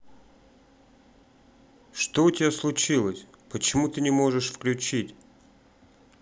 что у тебя случилось почему ты не можешь включить